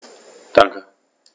Danke.